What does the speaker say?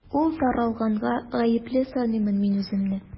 Ул таралганга гаепле саныймын мин үземне.